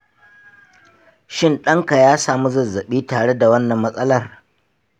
shin ɗanka ya samu zazzabi tare da wannan matsalar?